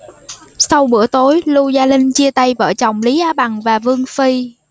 sau bữa tối lưu gia linh chia tay vợ chồng lý á bằng và vương phi